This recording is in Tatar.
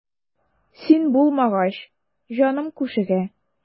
Син булмагач җаным күшегә.